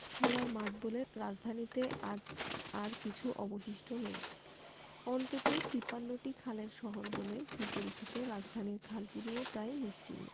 খেলার মাঠ বলে রাজধানীতে আজ আর কিছু অবশিষ্ট নেই অন্তত ৫৩টি খালের শহর বলে সুপরিচিত রাজধানীর খালগুলোও প্রায় নিশ্চিহ্ন